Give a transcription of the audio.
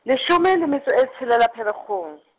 leshome le metso e tshelela Pherekgong.